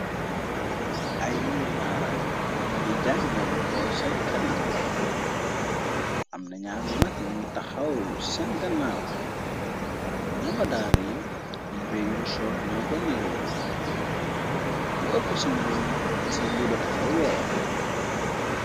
Ay ndongdaara, ni ngi jànga di xool seen kanam, amna ñaar ngi mag ningi taxaw seen ganaaw, nongodaara yi yi ree yun sol noo ko ni réew, lu ëpp ci ñoom, seen bu ba dafa weex.